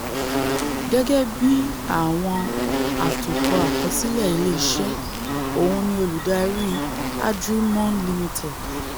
Gẹ́gẹ́bí àwọn àtòkọ àkọsìlẹ́ ilé iṣẹ́, òun ni olùdarí Adriftmorn Limited.